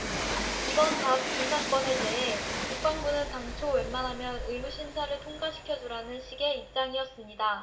이번 박 중사 건에 대해 국방부는 당초 웬만하면 의무심사를 통과시켜 주라는 식의 입장이었습니다